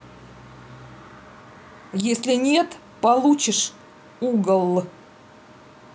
если нет получишь угол